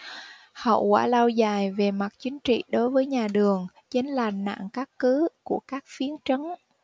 hậu quả lâu dài về mặt chính trị đối với nhà đường chính là nạn cát cứ của các phiên trấn